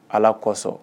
Ala kosɔn